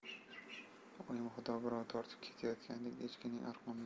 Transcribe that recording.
oyim xuddi birov tortib olayotgandek echkining arqonidan